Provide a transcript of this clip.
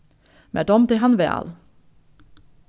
mær dámdi hann væl